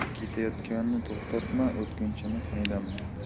ketayotganni to'xtatma o'tkinchini haydama